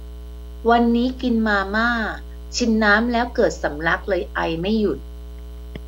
วันนี้กินมาม่าชิมน้ำแล้วเกิดสำลักเลยไอไม่หยุด